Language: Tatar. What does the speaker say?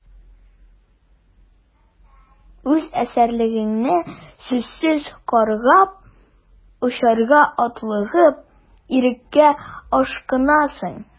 Үз әсирлегеңне сүзсез каргап, очарга атлыгып, иреккә ашкынасың...